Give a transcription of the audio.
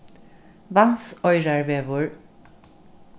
vatnsoyrarvegur